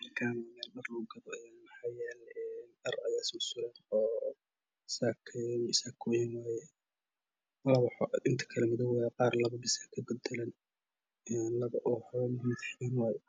Halkaan meel dhal lagu gado waxaa yaalo dhar la isasuro oo saakooyin waaye inta kale madow waaye qaar labo bas aa ka badalan mid fiin waaye